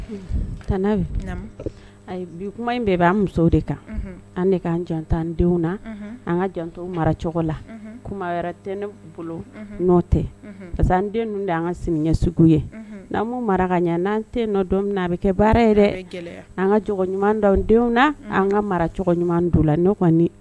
An an denw an ka mara la t ne bolo tɛ parce que denw de an ka sini segu ye n'an maraka ɲɛ n'an tɛ don a bɛ kɛ baara yɛrɛ an ka denw an ka mara ɲuman